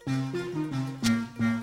Sanunɛ